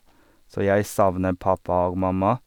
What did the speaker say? Så jeg savner pappa og mamma.